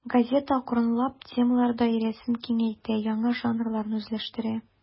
Газета акрынлап темалар даирәсен киңәйтә, яңа жанрларны үзләштерә.